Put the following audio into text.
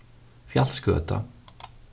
fjalsgøta